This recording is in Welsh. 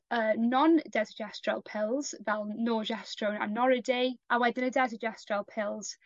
y non-desogestrel pills fel Norgestrone a Noriday a wedyn y desogestrel pills